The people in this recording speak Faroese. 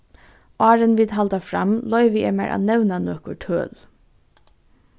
áðrenn vit halda fram loyvi eg mær at nevna nøkur tøl